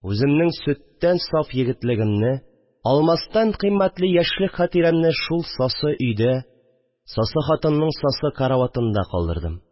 Үземнең сөттән саф егетлегемне, алмастан кыйммәтле яшьлек хатирәмне шул сасы өйдә, сасы хатынның сасы караватында калдырдым